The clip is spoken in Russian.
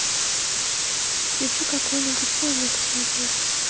включи какую нибудь хуйню посмотреть